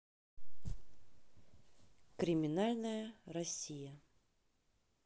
криминальная россия